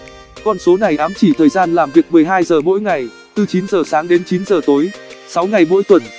con số này ám chỉ thời gian làm việc giờ ngày ngày tuần